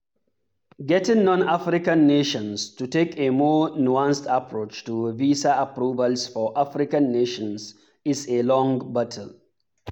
Getting non-African nations to take a more nuanced approach to visa approvals for African nationals is a long battle.